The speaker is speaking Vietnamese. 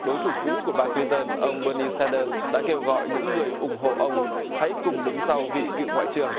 đối thủ cũ của bà cờ lin tơn ông bơ ni xan đơ đã kêu gọi những người ủng hộ ông hãy cùng đứng sau vị cựu ngoại trưởng